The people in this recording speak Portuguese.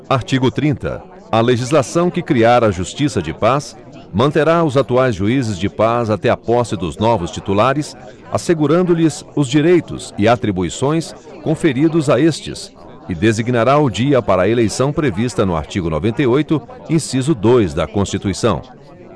artigo trinta a legislação que criar a justiça de paz manterá os atuais juízes de paz até a posse dos novos titulares assegurando lhes os direitos e atribuições conferidos a estes e designará o dia para a eleição prevista no artigo noventa e oito inciso dois da constituição